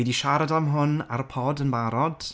Fi 'di siarad am hwn ar y pod yn barod,